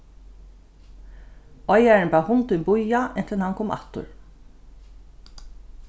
eigarin bað hundin bíða inntil hann kom aftur